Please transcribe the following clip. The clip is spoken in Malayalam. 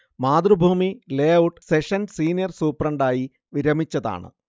മാതൃഭൂമി ലേഔട്ട് സെക്ഷൻ സീനിയർ സൂപ്രണ്ടായി വിരമിച്ചതാണ്